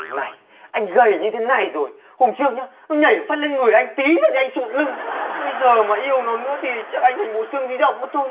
này anh gầy như thế này rồi hôm trước nhá nó nhảy phát lên người anh tý thì anh sụn lưng bây giờ mà yêu nó nữa thì chắc anh thành bộ xương di động mất thôi